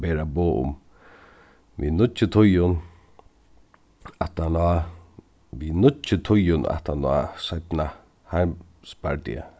bera boð um við nýggju tíðum aftaná við nýggju tíðum aftaná seinna heimsbardaga